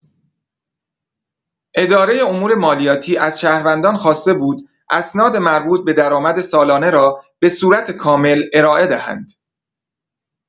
اداره امورمالیاتی از شهروندان خواسته بود اسناد مربوط به درآمد سالانه را به‌صورت کامل ارائه دهند.